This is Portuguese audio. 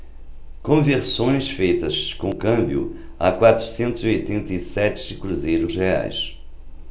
conversões feitas com câmbio a quatrocentos e oitenta e sete cruzeiros reais